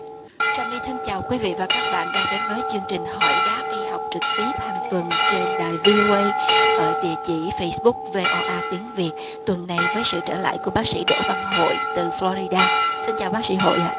trà my thân chào quý vị và các bạn đang đến với chương trình hỏi đáp y học trực tiếp hàng tuần trên đài vi ô ây ở địa chỉ phây búc vê o a tiếng việt tuần này với sự trở lại của bác sĩ đỗ văn hội từ phờ lo ri đa xin chào bác sĩ hội ạ